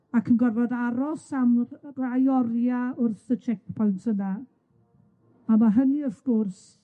ac yn gorfod aros am rai oria' wrth y checkpoints yna, a ma' hynny, wrth gwrs,